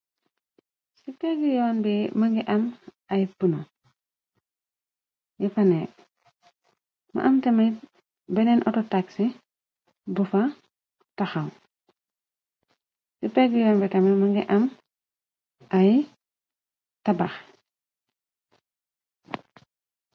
Si pegg yoon bi mugi am ay pono yi faneek mu am tamit beneen autotaxi bofa taxaw ci pegg yoon bi tamit mugi am ay tabax.